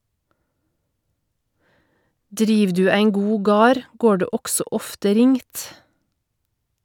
Driv du ein god gard, går det også ofte ringt.